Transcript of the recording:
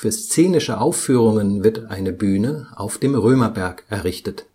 szenische Aufführungen wird eine Bühne auf dem Römerberg errichtet